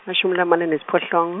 mashumi lamane nesiphohlongo.